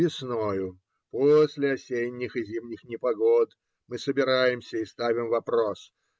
Весною, после осенних и зимних непогод, мы собираемся и ставим вопрос